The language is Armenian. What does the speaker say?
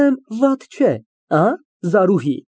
Ալ պյան չե՞ս ասիլու։